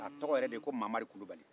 a tɔgɔ yɛrɛde ye ko mamari kulubali